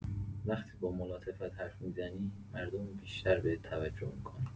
وقتی با ملاطفت حرف می‌زنی، مردم بیشتر بهت توجه می‌کنن.